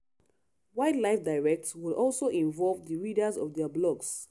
WildlifeDirect will also involve the readers of their blogs.